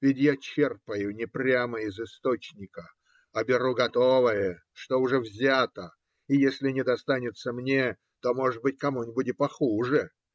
Ведь я черпаю не прямо из источника, а беру готовое, что уж взято, и если не достанется мне, то, может быть, кому-нибудь и похуже.